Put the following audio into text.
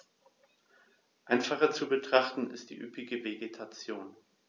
Einfacher zu betrachten ist die üppige Vegetation.